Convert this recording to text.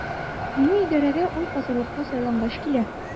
Дини идарәгә ул казыйлыкка сайлангач килә.